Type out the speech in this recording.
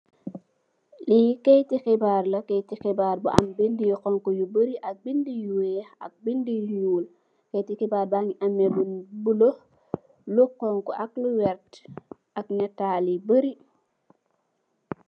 Li kayiti xibarr la, kayiti xibarr bu am bindé yu xonxu bari ak bindé yu wèèx ak bindé yu ñuul. Kayiti xibarr ba ngi ameh lu bula, lu xonxu ak lu werta ak nital yu barri.